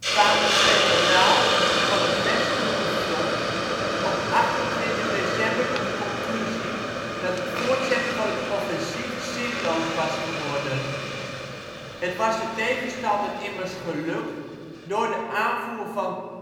kwamen de generaals van het westelijke front op 28 december tot de conclusie dat het voortzetten van het offensief zinloos was geworden. Het was de tegenstander immers gelukt door de aanvoer van